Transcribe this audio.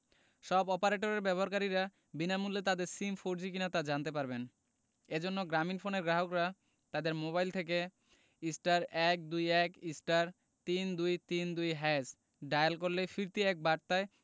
সব অপারেটরের ব্যবহারকারীরা বিনামূল্যে তাদের সিম ফোরজি কিনা তা জানতে পারবেন এ জন্য গ্রামীণফোনের গ্রাহকরা তাদের মোবাইল থেকে *১২১*৩২৩২# ডায়াল করলে ফিরতি এক বার্তায়